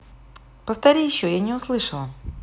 повтори еще я не услышала